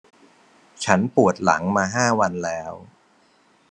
ฉันปวดหลังมาห้าวันแล้ว